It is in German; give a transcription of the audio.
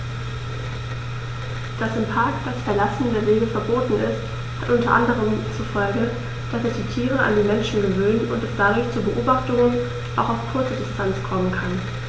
Dass im Park das Verlassen der Wege verboten ist, hat unter anderem zur Folge, dass sich die Tiere an die Menschen gewöhnen und es dadurch zu Beobachtungen auch auf kurze Distanz kommen kann.